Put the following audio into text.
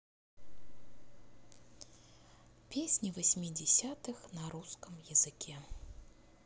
песни восьмидесятых на русском языке